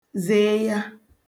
zị̀ịya